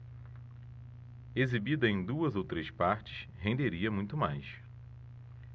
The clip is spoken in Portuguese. exibida em duas ou três partes renderia muito mais